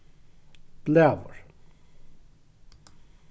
blæur